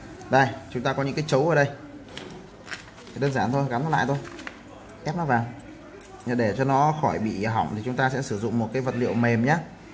đây chúng ta có những cái trấu ở đây đơn giản thôi gắn nó lại thôi ép nó vào để cho nói khỏi bị hỏng thì chúng ta sử dụng một cái vật liệu mềm nhé